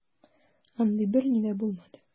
Андый берни дә булмады.